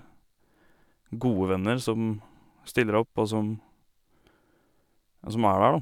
Gode venner, som stiller opp og som og som er der, da.